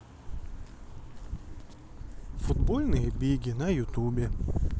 футбольные биги на ютубе